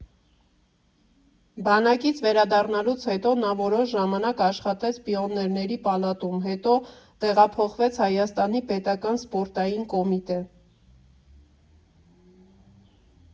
Բանակից վերադառնալուց հետո նա որոշ ժամանակ աշխատեց Պիոներների պալատում, հետո տեղափոխվեց Հայաստանի Պետական սպորտային կոմիտե։